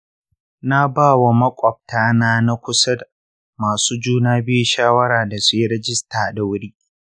na ba wa makwabata na nakusa masu juna biyu shawara dasuyi rijista dawuri.